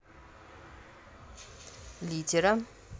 литера